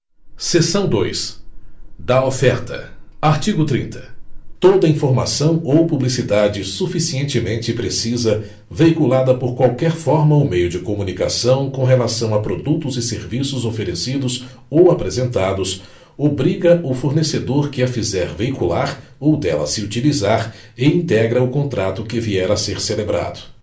seção dois da oferta artigo trinta toda informação ou publicidade suficientemente precisa veiculada por qualquer forma ou meio de comunicação com relação a produtos e serviços oferecidos ou apresentados obriga o fornecedor que a fizer veicular ou dela se utilizar e integra o contrato que vier a ser celebrado